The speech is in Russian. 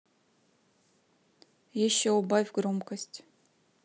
еще убавь громкость